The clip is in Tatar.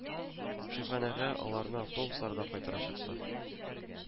Шифаханәгә аларны автобусларда кайтарачаклар